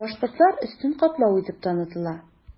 Башкортлар өстен катлау итеп танытыла.